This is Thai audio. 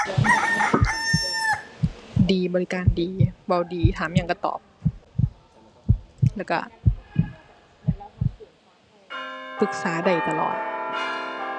ดี บริการดี เว้าดี ถามอิหยังก็ตอบ แล้วก็ปรึกษาได้ตลอด